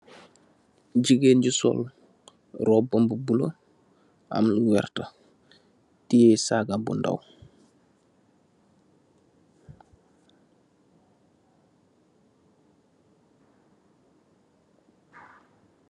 Gigeen bu sol róbbam bu bula am lu werta teyeh sagam bu ndaw.